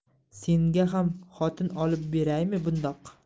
senga ham xotin olib beraylik bundoq